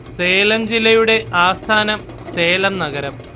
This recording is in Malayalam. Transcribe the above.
സേലം ജില്ലയുടെ ആസ്ഥാനം സേലം നഗരം